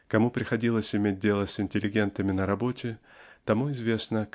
Кому приходилось иметь дело с интеллигентами на работе тому известно